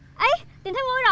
ấy tìm thấy vui